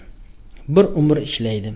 bir umr ishlaydi